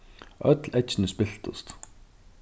øll eggini spiltust